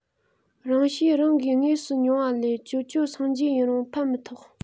རང བྱས རང གིས དངོས སུ མྱོང བ ལས ཇོ ཇོ སངས རྒྱས ཡིན རུང ཕན མི ཐོགས